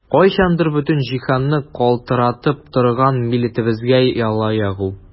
Кайчандыр бөтен җиһанны калтыратып торган милләтебезгә яла ягу!